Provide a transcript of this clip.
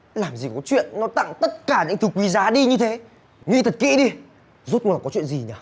làm gì chuyện nó tặng tất cả những thứ quý giá đi như thế nghĩ thật kỹ đi rốt cuộc có chuyện gì nhở